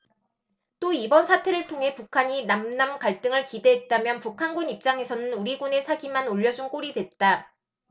또 이번 사태를 통해 북한이 남 남 갈등을 기대했다면 북한군 입장에서는 우리군의 사기만 올려준 꼴이 됐다